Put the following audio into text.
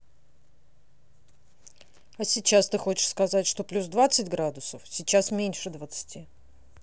а сейчас ты хочешь сказать что плюс двадцать градусов сейчас меньше двадцати